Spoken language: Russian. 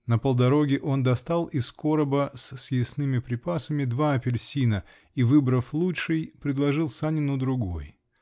На полдороге он достал из короба с съестными припасами два апельсина и, выбрав лучший, предложил Санину другой.